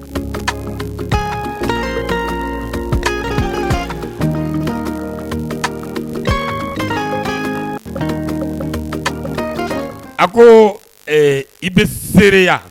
a koo ɛɛ i be sereya